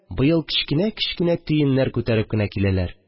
Быел кечкенә-кечкенә төеннәр күтәреп кенә киләләр